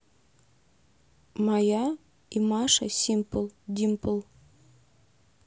мая и маша симпл димпл